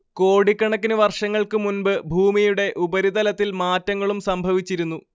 കോടിക്കണക്കിനു വർഷങ്ങൾക്കു മുൻപ് ഭൂമിയുടെ ഉപരിതലത്തിൽ മാറ്റങ്ങളും സംഭവിച്ചിരുന്നു